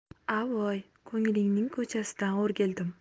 a voy ko'nglingning ko'chasidan o'rgildim